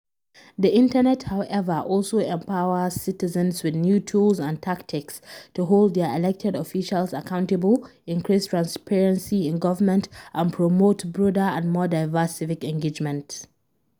The Internet, however, also empowers citizens with new tools and tactics to hold their elected officials accountable, increase transparency in government, and promote broader and more diverse civic engagement.